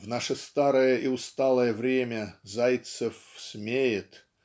В наше старое и усталое время Зайцев смеет